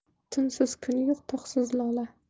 tunsiz kun yo'q tog'siz lola